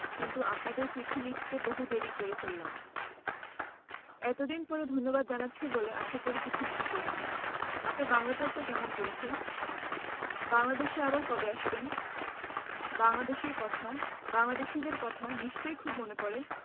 কিন্তু আপনাদের চিঠি লিখতে বহু দেরী করে ফেললাম এতদিন পরে ধন্যবাদ জানাচ্ছি বলে আশা করি কিছু মনে করবেন না আপনার বাংলা চর্চা কেমন চলছে বাংলাদেশে আবার কবে আসবেন বাংলাদেশের কথা বাংলাদেশীদের কথা নিশ্চয় খুব মনে পরে